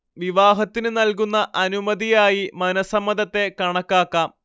വിവാഹത്തിന് നൽകുന്ന അനുമതിയായി മനഃസമ്മതത്തെ കണക്കാക്കാം